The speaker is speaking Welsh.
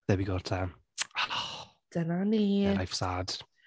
There we go te... Dyna ni... Yeah, life’s hard.